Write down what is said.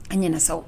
A ɲɛna sa o